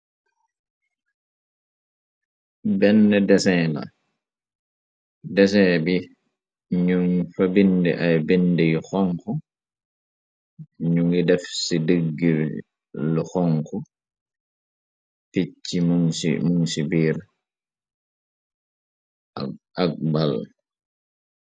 Benne desen la desen bi ñu fa bind ay bindy xonk nu ngi def ci deggir lu xonk picci muñ ci biir ak ball.